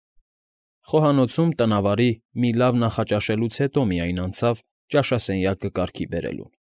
Խոհանոցում տնավարի մի լավ նախաճաշելուց հետո միայն անցավ ճաշասենյակը կարգի բերելուն։